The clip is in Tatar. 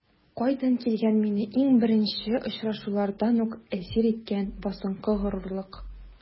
Кайдан килгән мине иң беренче очрашулардан үк әсир иткән басынкы горурлык?